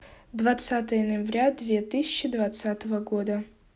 двадцатое ноября две тысячи двадцатого года